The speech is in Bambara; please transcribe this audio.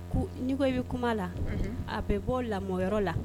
N'i ko i bɛ kuma la a bɛ bɔ lamɔyɔrɔ la